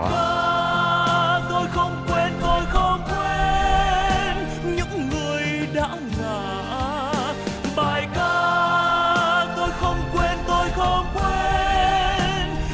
bài ca tôi không quên tôi không quên những người đã ngã bài ca tôi không quên tôi không quên